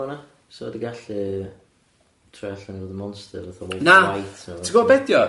Sa di gallu, troi allan i fod yn monster fatha, white neu... Na, ti'n gwybod be' di o?